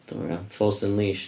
Dwi'm yn gwbod. Force Unleashed.